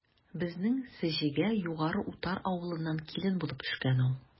Безнең Сеҗегә Югары Утар авылыннан килен булып төшкән ул.